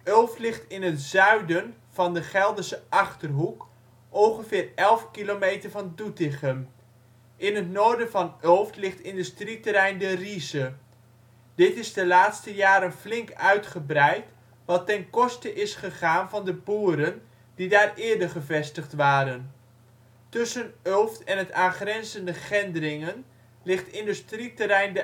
Ulft ligt in het zuiden van de Gelderse Achterhoek, ongeveer 11 km van Doetinchem. In het noorden van Ulft ligt industrieterrein De Rieze. Dit is de laatste jaren flink uitgebreid, wat ten koste is gegaan van de boeren die daar eerder gevestigd waren. Tussen Ulft en het aangrenzende Gendringen ligt industrieterrein